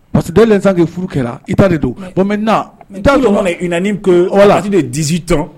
Parce que dalen sanke furu kɛra i ta de don bɔn n da yɔrɔ i a de disi tɔn